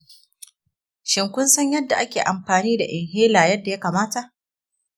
shin kun san yadda ake amfani da inhaler yadda ya kamata?